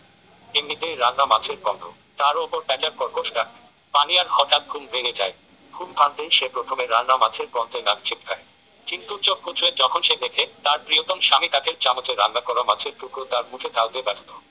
এমনিতেই রান্না মাছের গন্ধ তার ওপর প্যাঁচার কর্কশ ডাক পানিয়ার হঠাৎ ঘুম ভেঙে যায় ঘুম ভাঙতেই সে প্রথমে রান্না মাছের গন্ধে নাক ছিটকায় কিন্তু চোখ কচলে যখন সে দেখে তার প্রিয়তম স্বামী কাঠের চামচে রান্না করা মাছের টুকরো তার মুখে ঢালতে ব্যস্ত